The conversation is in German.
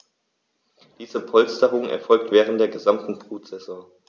Diese Polsterung erfolgt während der gesamten Brutsaison.